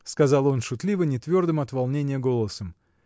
— сказал он шутливо, нетвердым от волнения голосом.